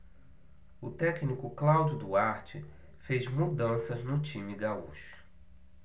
o técnico cláudio duarte fez mudanças no time gaúcho